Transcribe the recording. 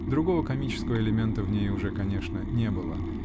другого комического элемента в ней уже, конечно, не было